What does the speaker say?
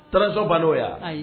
Tɔɔrɔresoba n'o yan